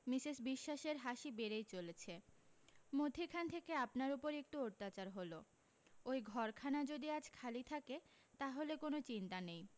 Mrs বিশ্বাসের হাসি বেড়ই চলেছে মধ্যিখান থেকে আপনার উপর একটু অত্যাচার হলো অই ঘরখানা যদি আজ খালি থাকে তাহলে কোনো চিন্তা নেই